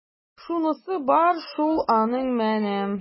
Шунысы бар шул аның менә! ..